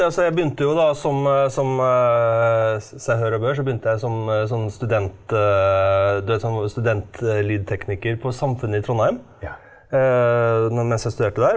altså jeg begynte jo da som som seg hør og bør så begynte jeg som sånn du vet sånn studentlydtekniker på Samfundet i Trondheim mens jeg studerte der.